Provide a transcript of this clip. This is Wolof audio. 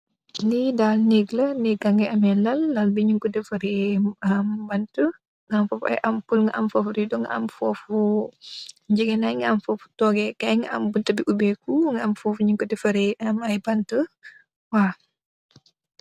Lii daal nëëk la, nëëk bi mu ngi amee lal, lal bi ñung ko defaree bantë, nga am foof u riido, nga am foof u, ñegenaay, nga am foof u, toogee Kaay, nga am buntu bu ubeeyku, nga am foof u,ñungko defaree am ay bantë, waaw.